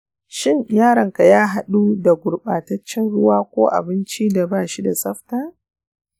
shin yaronka ya haɗu da gurɓataccen ruwa ko abincin da bashi da tsafta?